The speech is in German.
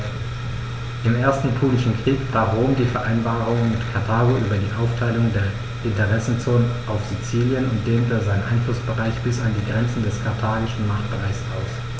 Im Ersten Punischen Krieg brach Rom die Vereinbarung mit Karthago über die Aufteilung der Interessenzonen auf Sizilien und dehnte seinen Einflussbereich bis an die Grenze des karthagischen Machtbereichs aus.